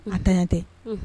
A tanyan tɛ, unh